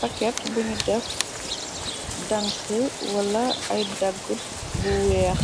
Paket buñu def dank wala ay daggut bu weex